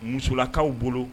Musolakaw bolo